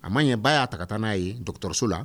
A ma ɲɛ ba ya ta ka taa na ye docteur so la